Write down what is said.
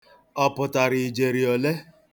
Ọ pụtara ijeri ole?